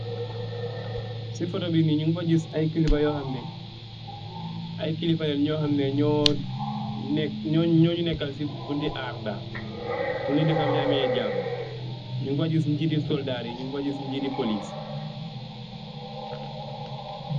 Si photo bine nyun fa gis ay kelipha nyo hamneh ay kelipha nyo hamneh nyonyu nekal bi bunti arr daal pul nu deka bi ameh jama nyun fa gis ngiti soldar yi nyu fa giss ngiti police.